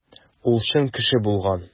Ул чын кеше булган.